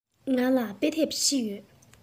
ང ལ དཔེ དེབ བཞི ཡོད